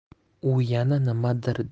u yana nimadir